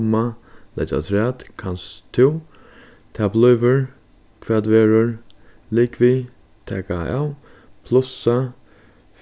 komma leggja afturat kanst tú tað blívur hvat verður ligvið taka av plussa